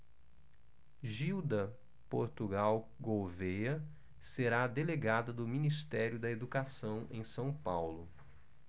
gilda portugal gouvêa será delegada do ministério da educação em são paulo